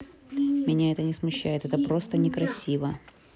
меня это не смущает это просто некрасиво